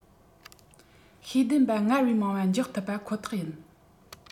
ཤེས ལྡན པ སྔར བས མང བ འཇོག ཐུབ པ ཁོ ཐག ཡིན